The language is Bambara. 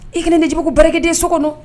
I kɔni dijugubugu bɛ barikaden so don